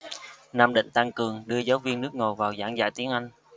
nam định tăng cường đưa giáo viên nước ngoài vào giảng dạy tiếng anh